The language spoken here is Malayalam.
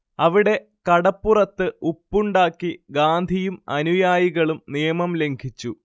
അവിടെ കടപ്പുറത്ത് ഉപ്പുണ്ടാക്കി ഗാന്ധിയും അനുയായികളും നിയമം ലംഘിച്ചു